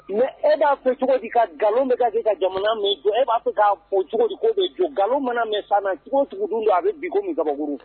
Mɛ e b'a fɛ cogo ka nkalon bɛ ka ka jamana min jɔ e'a fɛ ka cogo bɛ jɔ mana cogo don a bɛ bi kabakuru